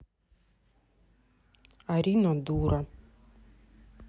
арина дура